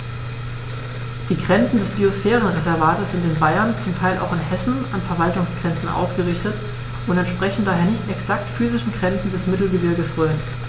Die Grenzen des Biosphärenreservates sind in Bayern, zum Teil auch in Hessen, an Verwaltungsgrenzen ausgerichtet und entsprechen daher nicht exakten physischen Grenzen des Mittelgebirges Rhön.